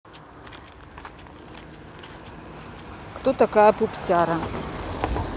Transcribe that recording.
кто такая пупсяра